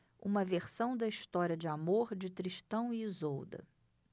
uma versão da história de amor de tristão e isolda